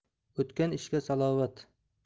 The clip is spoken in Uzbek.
o'tgan ishga salovat